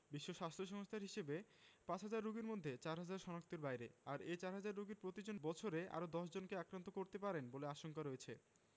বিশ্ব স্বাস্থ্য সংস্থার হিসেবে পাঁচহাজার রোগীর মধ্যে চারহাজার শনাক্তের বাইরে আর এ চারহাজার রোগীর প্রতিজন বছরে আরও ১০ জনকে আক্রান্ত করতে পারেন বলে আশঙ্কা রয়েছে